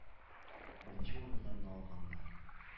Беренче урыннарны алганнар,